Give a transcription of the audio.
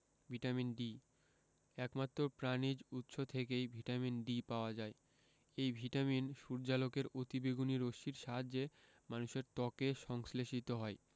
vitamin D একমাত্র প্রাণিজ উৎস থেকেই ভিটামিন D পাওয়া যায় এই ভিটামিন সূর্যালোকের অতিবেগুনি রশ্মির সাহায্যে মানুষের ত্বকে সংশ্লেষিত হয়